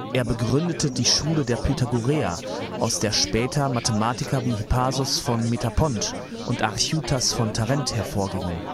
Er begründete die Schule der Pythagoreer, aus der später Mathematiker wie Hippasos von Metapont und Archytas von Tarent hervorgingen